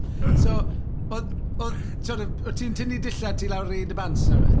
So, oedd oedd, timod, o't ti'n tynnu dillad ti lawr i dy bants neu rywbeth?